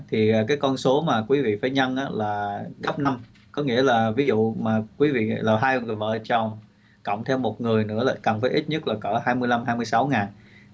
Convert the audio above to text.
thì cái con số mà quý vị phải nhân ý là cấp năm có nghĩa là ví dụ mà quý vị là hai vợ chồng cộng thêm một người nữa lại càng phải ít nhất là cỡ hai mươi lăm hai mươi sáu ngàn